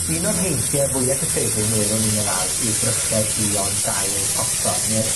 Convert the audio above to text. Un o'r heintie fwya cyffredin welwn ni yn yr ardd yw bryche duon dail rhosod ne'r